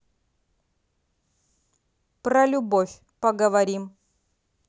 про любовь поговорим